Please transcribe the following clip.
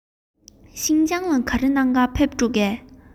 ཤིན ཅང ལ ག རེ གནང ག ཕེབས འགྲོ ག